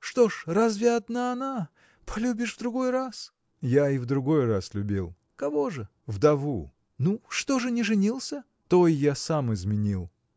Что ж, разве одна она? полюбишь в другой раз. – Я и в другой раз любил. – Кого же? – Вдову. – Ну, что ж не женился? – Той я сам изменил.